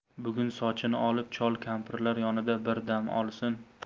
bugun sochini olib chol kampirlar yonida bir dam olsin